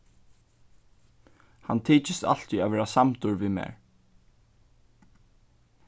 hann tykist altíð at vera samdur við mær